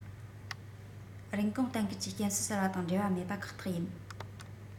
རིན གོང གཏན འཁེལ གྱི རྐྱེན སྲོལ གསར པ དང འབྲེལ བ མེད པ ཁག ཐག ཡིན